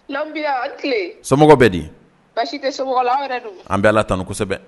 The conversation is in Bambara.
Bɛ di tɛ an bɛ la tan kosɛbɛ